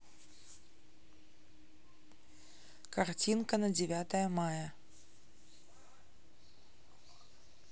картинка на девятое мая